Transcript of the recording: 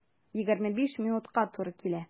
51 минутка туры килә.